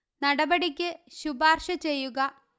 നടപടിക്ക് ശുപാര്ശ ചെയ്യുക